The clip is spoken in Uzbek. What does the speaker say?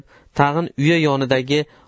tag'in uyasi yonidan